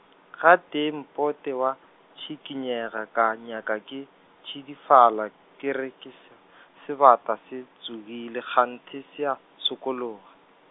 gatee mpote wa tsikinyega, ka nyaka ke, tšidifala ke re ke se- sebata se tsogile kganthe se a sokologa.